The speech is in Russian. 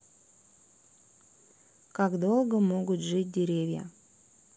как долго могут жить деревья